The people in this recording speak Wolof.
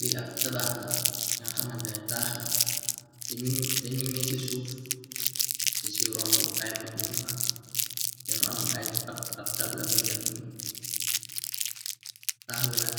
Li ab tabaax la nga xama tane taax la te ni ñe ci suuf yi ci romb ay mutu nu fa danu am abab tabla buñu def ni taax bi nak